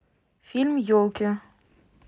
фильм елки